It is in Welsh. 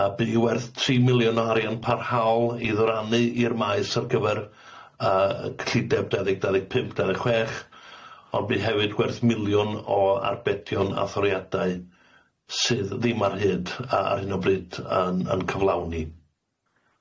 Yy bu i werth tri miliwn o arian parhaol i ddoranu i'r maes ar gyfer yy yy cyllideb dau ddeg dau ddeg pump dau ddeg chwech ond bu hefyd werth miliwn o arbedion a thoriadau sydd ddim ar hyd a- ar hyn o bryd yn yn cyflawni.